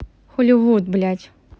hollywood блять